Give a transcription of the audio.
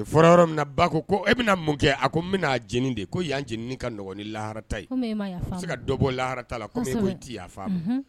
Fɔlɔ yɔrɔ min na ba ko e bɛna mun kɛ a ko n bɛnaa j de ko yan jeniinin kaɔgɔn ni laharata ye se ka dɔbɔ laharata la di ma